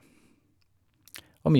Og mye...